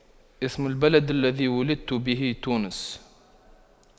اسم البلد الذي ولدت به تونس